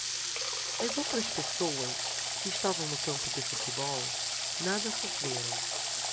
as outras pessoas que estavam no campo de futebol nada sofreram